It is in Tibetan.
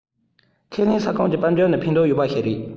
ཁས ལེན ས ཁོངས ཀྱི དཔལ འབྱོར ནི ཕན ཐོགས ཡོད པ ཞིག རེད